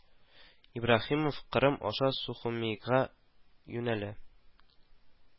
Ибраһимов Кырым аша Сухумига юнәлә